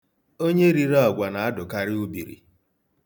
Onye riri agwa na-adụkarị ubiri.